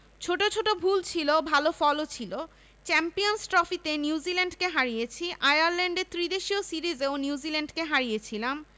ছোট ছোট ভুল ছিল ভালো ফলও ছিল চ্যাম্পিয়নস ট্রফিতে নিউজিল্যান্ডকে হারিয়েছি আয়ারল্যান্ডে ত্রিদেশীয় সিরিজেও নিউজিল্যান্ডকে হারিয়েছিলাম